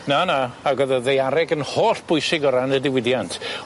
Na na ag o'dd y ddaeareg yn hollbwysig o ran y diwydiant.